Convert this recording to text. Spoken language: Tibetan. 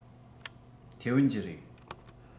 ཐའེ ཝན གྱི རེད